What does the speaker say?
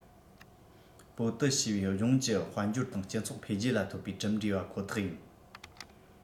པའོ ཏི ཞེས པའི ལྗོངས ཀྱི དཔལ འབྱོར དང སྤྱི ཚོགས འཕེལ རྒྱས ལ ཐོབ པའི གྲུབ འབྲས པ ཁོ ཐག ཡིན